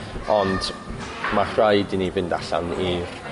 Ond ma' rhaid i ni fynd allan i'r